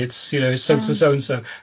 it's you know, it's so s- so and so